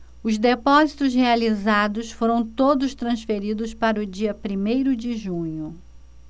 os depósitos realizados foram todos transferidos para o dia primeiro de junho